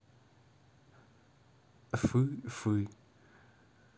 фы фы